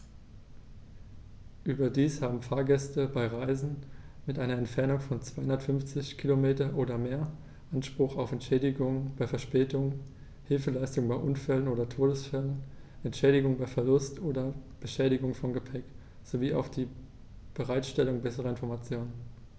Überdies haben Fahrgäste bei Reisen mit einer Entfernung von 250 km oder mehr Anspruch auf Entschädigung bei Verspätungen, Hilfeleistung bei Unfällen oder Todesfällen, Entschädigung bei Verlust oder Beschädigung von Gepäck, sowie auf die Bereitstellung besserer Informationen.